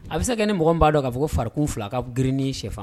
A bɛ se ka kɛ ni mɔgɔ min b'a dɔn k'a fɔ ko farikun fila ka girin ni sɛfan